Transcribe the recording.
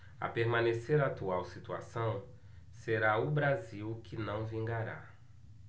a permanecer a atual situação será o brasil que não vingará